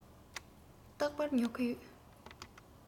རྟག པར ཉོ གི ཡོད